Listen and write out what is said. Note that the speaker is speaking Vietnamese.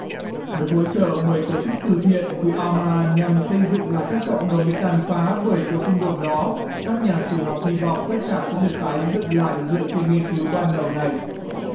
được hỗ trợ bởi tổ chức từ thiện quỹ a man nhằm xây dựng lại các cộng đồng bị tàn phá bởi cuộc xung đột đó các nhà sử học hi vọng tất cả sẽ được tái dựng lại dựa trên nghiên cứu ban đầu này